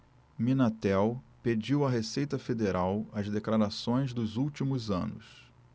minatel pediu à receita federal as declarações dos últimos anos